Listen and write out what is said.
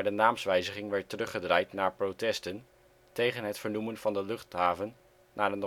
naamswijziging werd teruggedraaid na protesten tegen het vernoemen van de luchthaven naar